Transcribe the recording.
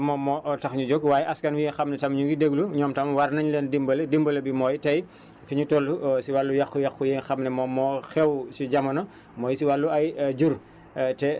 dañoo jóg pour dimbale askan wi moom moo tax ñu jóg waaye askan bi nga xam ne tam ñu ngi déglu ñoom tam war nañ leen dimbale dimbale bi mooy tey fi ñu toll si wàllu yàqu-yàqu yi nga xam ne moom moo xaw si jamono